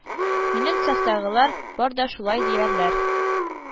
Минем цехтагы лар бар да шулай диярләр